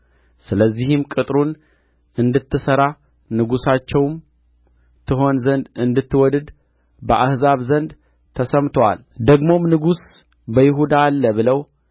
ስለዚህም ቅጥሩን እንድትሠራ ንጉሣቸውም ትሆን ዘንድ እንድትወድድ በአሕዛብ ዘንድ ተሰምቶአል ደግሞም ንጉሥ በይሁዳ አለ ብለው